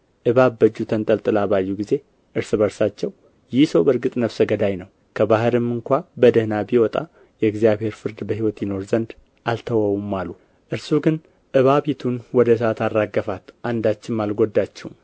እባብ በእጁ ተንጠልጥላ ባዩ ጊዜ እርስ በርሳቸው ይህ ሰው በእርግጥ ነፍሰ ገዳይ ነው ከባሕርም ስንኳ በደኅና ቢወጣ የእግዚአብሔር ፍርድ በሕይወት ይኖር ዘንድ አልተወውም አሉ እርሱ ግን እባቢቱን ወደ እሳት አራገፋት አንዳችም አልጐዳችውም